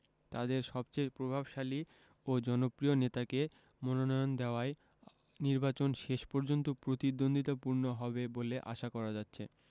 তাদের সবচেয়ে প্রভাবশালী ও জনপ্রিয় নেতাকে মনোনয়ন দেওয়ায় নির্বাচন শেষ পর্যন্ত প্রতিদ্বন্দ্বিতাপূর্ণ হবে বলে আশা করা যাচ্ছে